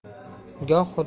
goh xudo yu